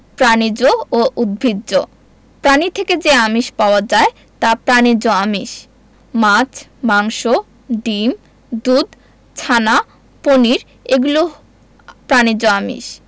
প্রাণিজ ও উদ্ভিজ্জ প্রাণী থেকে যে আমিষ পাওয়া যায় তা প্রাণিজ আমিষ মাছ মাংস ডিম দুধ ছানা পনির এগুলো প্রাণিজ আমিষ